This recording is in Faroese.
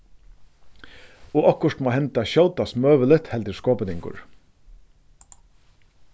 og okkurt má henda skjótast møguligt heldur skopuningur